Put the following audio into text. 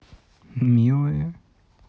милая